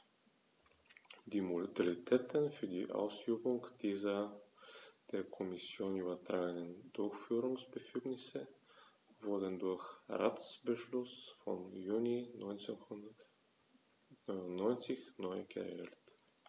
Die Modalitäten für die Ausübung dieser der Kommission übertragenen Durchführungsbefugnisse wurden durch Ratsbeschluss vom Juni 1999 neu geregelt.